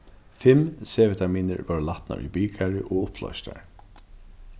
fimm c-vitaminir vórðu latnar í bikarið og upploystar